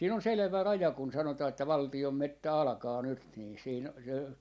siinä on selvä raja kun sanotaan että valtion metsä alkaa nyt niin siinä